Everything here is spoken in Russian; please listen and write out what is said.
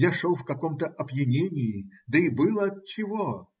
Я шел в каком-то опьянении, да и было отчего.